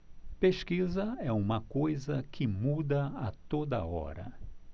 pesquisa é uma coisa que muda a toda hora